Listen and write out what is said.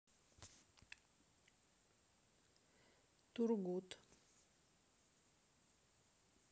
turgut